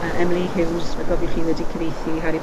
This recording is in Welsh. Yy Emily Hughes, fe gofiwch chi wedi cyfieithu Harry